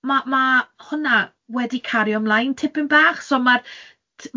Ma' ma' hwnna wedi cario ymlaen tipyn bach, so ma'r t-